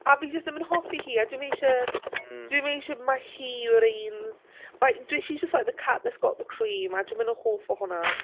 A fi jyst ddim yn hoffi hi a dwi'm isie... mm ...dwi'm isie... mae hi yw'r un... like dwi... she's just like the cat that's got the cream a dwi'm yn hoff o hwnna.